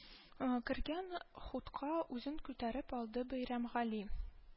Кергән хутка үзен күтәреп алды Бәйрәмгали